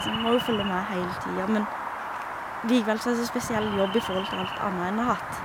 Så en må jo følge med heile tida, men likevel så er det så spesiell jobb i forhold til alt anna en har hatt.